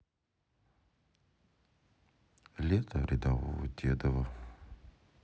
лето рядового дедова